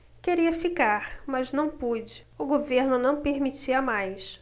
queria ficar mas não pude o governo não permitia mais